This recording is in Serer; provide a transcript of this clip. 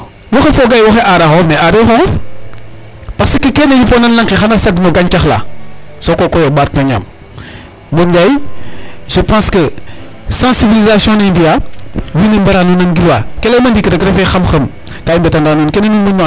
Woxey foaga yee woxay a aaraa xooxof mais aariro xooxof parce que kene yipoona no lanq ke xan a sag no gañcax fa soko koy o ɓaat no ñaam .Modou Ndiaye je pense que sensiblisation i mbi'aa wiin we mbara nangilwaa ke layuma ndiiki rek refee xam xam ka i mbetanda nuun kene, nuun moƴno anda in.